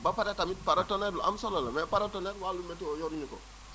ba pare tamit paratonnerre lu am solo la mais paratonnerre wàllu météo yoruñu ko